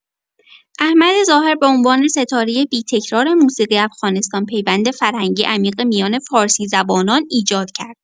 احمد ظاهر به عنوان ستاره بی‌تکرار موسیقی افغانستان، پیوند فرهنگی عمیقی میان فارسی‌زبانان ایجاد کرد.